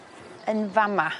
yn fa' 'ma.